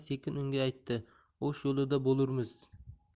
sekin unga aytdi o'sh yo'lida bo'lurmiz